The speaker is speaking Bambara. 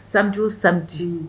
Sanj sanji